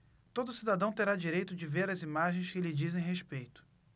todo cidadão terá direito de ver as imagens que lhe dizem respeito